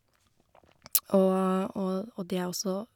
og og Og det er også...